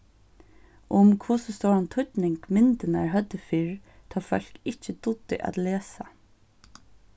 um hvussu stóran týdning myndirnar høvdu fyrr tá fólk ikki dugdu at lesa